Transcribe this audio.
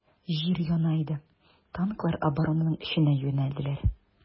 Җир яна иде, танклар оборонаның эченә юнәлделәр.